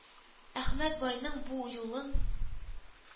Әхмәт байның бу юлын